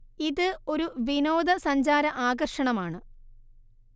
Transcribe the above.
ഇത് ഒരു വിനോദ സഞ്ചാര ആകർഷണമാണ്